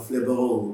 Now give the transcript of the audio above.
Filɛdɔn